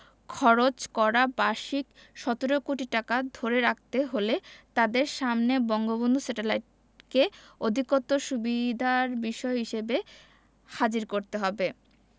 খরচ করা বার্ষিক ১৭ কোটি টাকা ধরে রাখতে হলে তাদের সামনে বঙ্গবন্ধু স্যাটেলাইটকে অধিকতর সুবিধার বিষয় হিসেবে হাজির করতে হবে